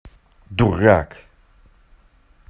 дурак